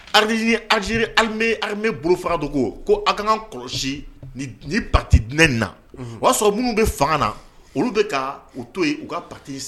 Alize armée bolofara dɔ ko k'an k'an kɔlɔsi ni parti diinɛ in na, unhun, o y'a sɔrɔ minnu bɛ fanga na olu bɛ ka u to yen u ka parti in s